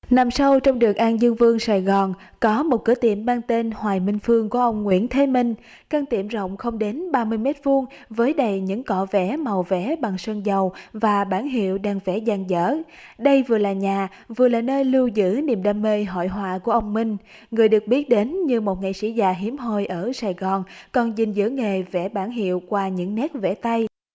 nằm sâu trong đường an dương vương sài gòn có một cửa tiệm mang tên hoài minh phương có ông nguyễn thế minh căn tiệm rộng không đến ba mươi mét vuông với đầy những cọ vẽ màu vẽ bằng sơn dầu và bảng hiệu đang vẽ dang dở đây vừa là nhà vừa là nơi lưu giữ niềm đam mê hội họa của ông minh người được biết đến như một nghệ sĩ già hiếm hoi ở sài gòn cần gìn giữ nghề vẽ bảng hiệu qua những nét vẽ tay